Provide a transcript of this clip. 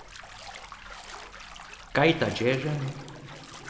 geitagerði